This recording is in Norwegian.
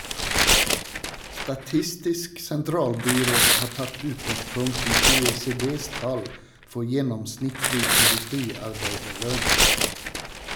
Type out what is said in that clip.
Statistisk sentralbyrå har tatt utgangspunkt i OECDs tall for gjennomsnittlig industriarbeiderlønn.